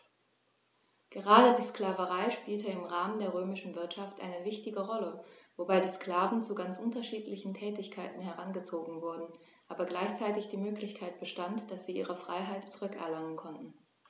Gerade die Sklaverei spielte im Rahmen der römischen Wirtschaft eine wichtige Rolle, wobei die Sklaven zu ganz unterschiedlichen Tätigkeiten herangezogen wurden, aber gleichzeitig die Möglichkeit bestand, dass sie ihre Freiheit zurück erlangen konnten.